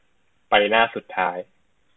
ไปหน้าสุดท้าย